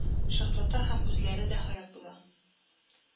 Шартлата һәм үзләре дә һәлак була